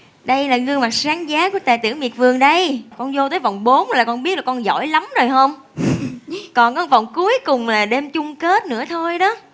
đây là gương mặt sáng giá của tài tử miệt vườn đây con vô tới vòng bốn là con bé con giỏi lắm rồi không còn có vòng cuối cùng là đêm chung kết nữa thôi đó